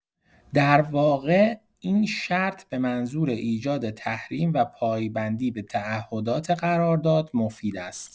در واقع، این شرط به‌منظور ایجاد تحریم و پایبندی به تعهدات قرارداد مفید است.